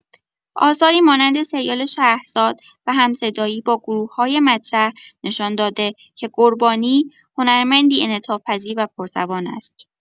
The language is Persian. آثاری مانند سریال شهرزاد و هم‌صدایی با گروه‌های مطرح نشان داده که قربانی هنرمندی انعطاف‌پذیر و پرتوان است.